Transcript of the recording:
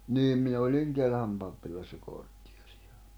niin minä olin Kelhän pappilassa kortteeria